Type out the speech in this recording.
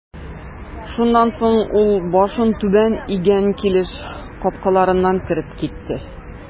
Шуннан соң ул башын түбән игән килеш капкаларыннан кереп китте.